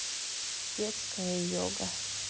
детская йога